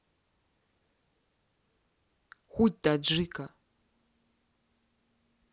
хуй таджика